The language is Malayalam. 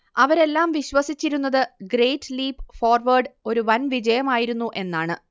അവരെല്ലാം വിശ്വസിച്ചിരുന്നത് ഗ്രേറ്റ് ലീപ് ഫോർവേഡ് ഒരു വൻ വിജയമായിരുന്നു എന്നാണ്